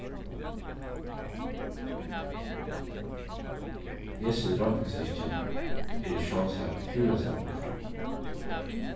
hesi roknistykki eru sjálvsagt púrasta burturvið